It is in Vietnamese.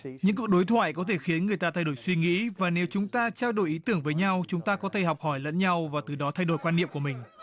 những cuộc đối thoại có thể khiến người ta thay đổi suy nghĩ và nếu chúng ta trao đổi ý tưởng với nhau chúng ta có thể học hỏi lẫn nhau và từ đó thay đổi quan niệm của mình